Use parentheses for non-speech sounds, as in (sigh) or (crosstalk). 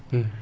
(hesitation) (hesitation)